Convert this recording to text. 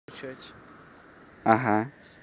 ага